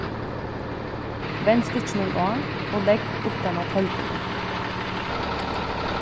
vend stykkinum á og legg uttan á teldilin